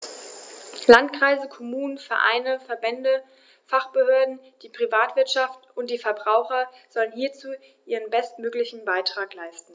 Landkreise, Kommunen, Vereine, Verbände, Fachbehörden, die Privatwirtschaft und die Verbraucher sollen hierzu ihren bestmöglichen Beitrag leisten.